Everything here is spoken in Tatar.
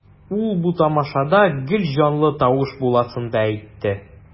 Ул бу тамашада гел җанлы тавыш буласын да әйтте.